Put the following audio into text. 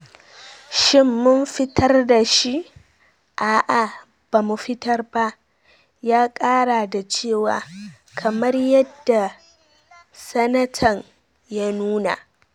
Shin mun fitar dashi... A'a, ba mu fitar ba, "ya kara da cewa, kamar yadda sanatan ya nuna.